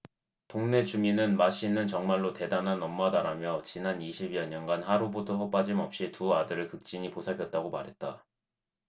동네 주민은 마씨는 정말로 대단한 엄마다라며 지난 이십 여년간 하루도 빠짐없이 두 아들을 극진히 보살폈다고 말했다